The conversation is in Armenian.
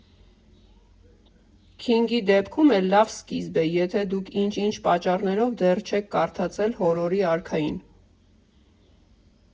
Քինգի դեպքում էլ լավ սկիզբ է, եթե դուք ինչ֊ինչ պատճառներով դեռ չեք կարդացել հորորի արքային.